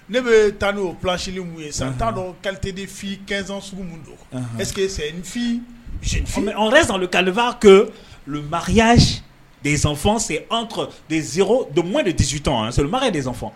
Ne bɛ taa n'o psili ye san t'a dɔn kalite de fi kɛsans donseke que sa kalifa ka ya de sen kɔrɔ de de dusutu tɔnkɛ de nisɔnɔn